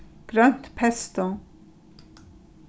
grønt pesto